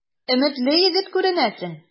Өметле егет күренәсең.